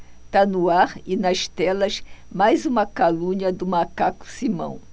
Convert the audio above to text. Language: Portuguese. tá no ar e nas telas mais uma calúnia do macaco simão